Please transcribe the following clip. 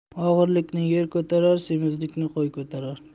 og'irlikni yer ko'tarar semizlikni qo'y ko'tarar